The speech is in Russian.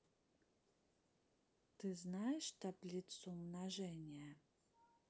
ты знаешь таблицу умножения